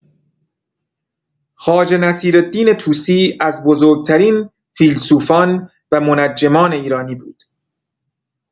خواجه نصیرالدین طوسی از بزرگ‌ترین فیلسوفان و منجمان ایرانی بود.